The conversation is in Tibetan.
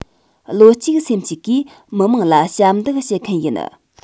བློ གཅིག སེམས གཅིག གིས མི དམངས ལ ཞབས འདེགས ཞུ མཁན ཡིན